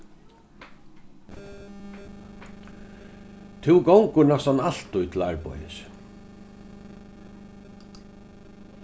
tú gongur næstan altíð til arbeiðis